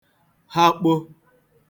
hakpo